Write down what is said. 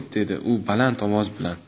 dedi u baland ovoz bilan